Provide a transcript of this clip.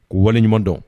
K'u waleɲuman dɔn